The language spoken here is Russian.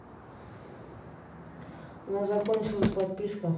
у нас закончилась подписка